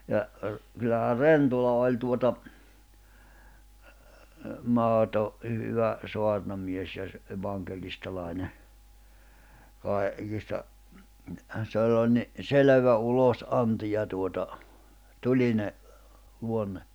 ja - kyllähän Rentola oli tuota mahdoton - hyvä saarnamies ja - evankelistalainen - kaikista sillä oli niin selvä ulosanti ja tuota tulinen luonne